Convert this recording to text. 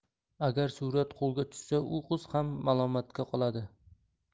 agar surat qo'lga tushsa u qiz ham malomatga qoladi